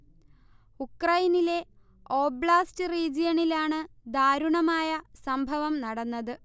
ഉക്രെയിനിലെ oblast റീജിയണിലാണ് ദാരുണമായ സംഭവം നടന്നത്